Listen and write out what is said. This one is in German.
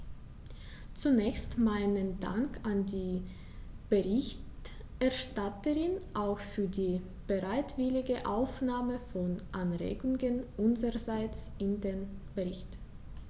Zunächst meinen Dank an die Berichterstatterin, auch für die bereitwillige Aufnahme von Anregungen unsererseits in den Bericht.